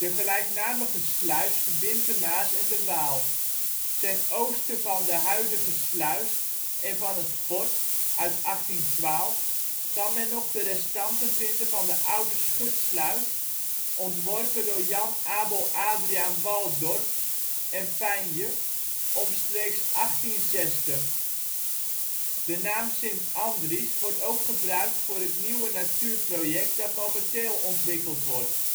gelijknamige sluis verbindt de Maas en de Waal. Ten oosten van de huidige sluis en van het fort (1812) kan men nog de restanten vinden van de oude schutsluis (ontworpen door Jan Abel Adriaan Waldorp en Fijnje, omstreeks 1860). De naam Sint Andries wordt ook gebruikt voor het nieuwe natuurproject dat momenteel ontwikkeld wordt